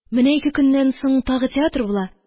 Менә ике көннән соң тагы театр була,